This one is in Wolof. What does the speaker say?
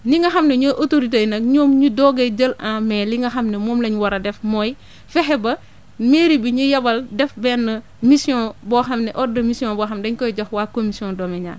ñi nga xam ne ñooy autorités yi nag ñoom ñu doogay jël en main li nga xam ne moom la ñu war a def mooy fexe ba mairie bi ñu yebal def benn mission boo xam ne ordre de mission boo xam ne dañ koy jox waa comisson domaniale